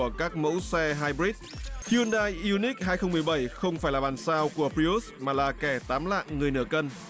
của các mẫu xe hai bít huyn đai ưu ních hai không mười bảy không phải là bản sao của bi rút mà là kẻ tám lạng người nửa cân